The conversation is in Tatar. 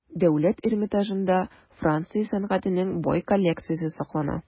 Дәүләт Эрмитажында Франция сәнгатенең бай коллекциясе саклана.